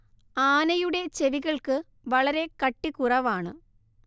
ആനയുടെ ചെവികൾക്ക് വളരെ കട്ടികുറവാണ്